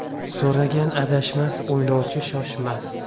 so'ragan adashmas o'ylovchi shoshmas